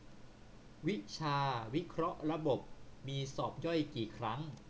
วิชาวิเคราะห์ระบบมีสอบย่อยกี่ครั้ง